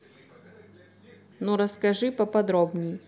ну расскажи поподробней